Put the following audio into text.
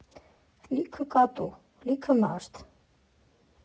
Լիքը կատու, լիքը մարդ։